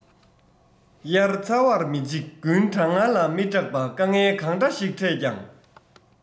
དབྱར ཚ བར མི འཇིགས དགུན གྲང ངར ལ མི སྐྲག པ དཀའ ངལ གང འདྲ ཞིག ཕྲད ཀྱང